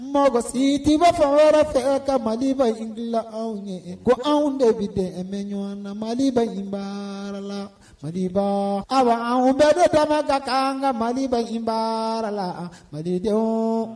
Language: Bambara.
Mɔgɔ si tɛ bɔ fan wɛrɛ fɛ ka Maliba in dila anw ye., an bɛɛ de bɛ dɛmɛ ɲɔgɔn na Mali in baarala. Ayiwa, an bɛɛ de dama ka kan Mali in baara la ,malidenw